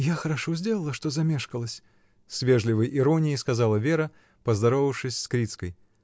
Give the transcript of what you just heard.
— Я хорошо сделала, что замешкалась, — с вежливой иронией сказала Вера, поздоровавшись с Крицкой.